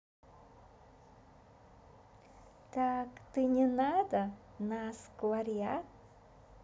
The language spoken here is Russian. так ты не надо нас квариат